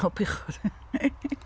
O bechod!